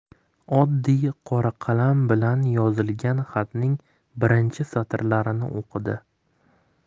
oddiy qora qalam bilan yozilgan xatning birinchi satrlarini o'qidi